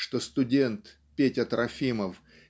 что студент Петя Трофимов